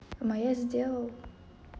моя сделал